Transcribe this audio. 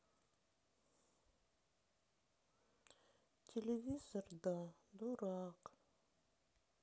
телевизор да дурак